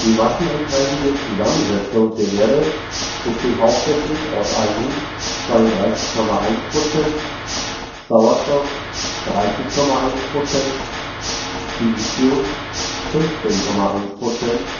massenanteilige Zusammensetzung der Erde besteht hauptsächlich aus Eisen (32,1 %), Sauerstoff (30,1 %), Silizium (15,1 %